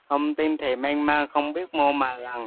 thông tin thì mênh mang không biết mô mà lần